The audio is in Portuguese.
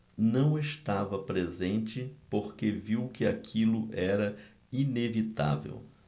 não estava presente porque viu que aquilo era inevitável